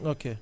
ok